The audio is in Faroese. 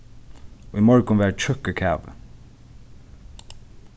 í morgun var tjúkkur kavi